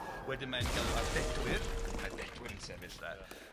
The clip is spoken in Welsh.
Wedyn mae'n galw ar Fedwyr, a mae Bedwyr yn sefyll de. Ia.